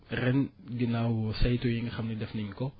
ren ginnaaw saytu yi nga xam ni def nañu ko